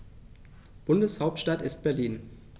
Bundeshauptstadt ist Berlin.